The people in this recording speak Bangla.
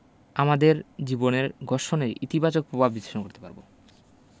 আমাদের জীবনের ঘর্ষণের ইতিবাচক প্রভাব বিশ্লেষণ করতে পারব